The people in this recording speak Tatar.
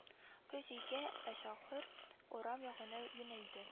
Кыз өйгә ә шакир урам ягына юнәлде